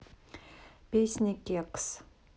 песня кекс